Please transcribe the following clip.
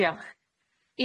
Diolch.